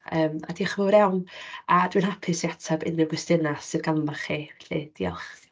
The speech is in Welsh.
Yym, a diolch yn fawr iawn, a dwi'n hapus i ateb unryw gwestiynau sydd ganddo chi, felly diolch.